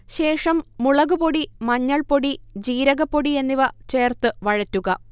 ശേഷം മുളക്പൊടി, മഞ്ഞൾപ്പൊടി, ജീരകപ്പൊടി എന്നിവ ചേർത്ത് വഴറ്റുക